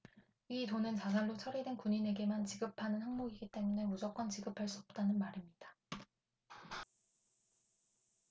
이 돈은 자살로 처리된 군인에게만 지급하는 항목이기 때문에 무조건 지급할 수 없다는 말입니다